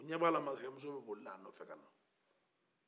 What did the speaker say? u ɲɛ bɛ a la masakɛmuso bɛ bolila a nɔ fɛ ka na